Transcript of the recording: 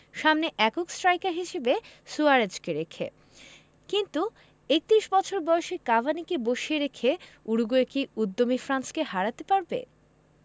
সামনে একক স্ট্রাইকার হিসেবে সুয়ারেজকে রেখে কিন্তু ৩১ বছর বয়সী কাভানিকে বসিয়ে রেখে উরুগুয়ে কি উদ্যমী ফ্রান্সকে হারাতে পারবে